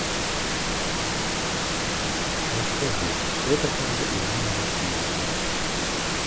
расскажи кто такая ирина васильевна